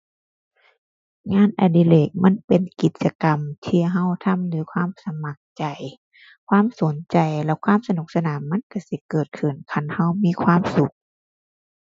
งานอดิเรกมันเป็นกิจกรรมที่เราทำด้วยความสมัครใจ ความสนใจ แล้วความสนุกสนานมันเราสิเกิดขึ้น คันเรามีความสุข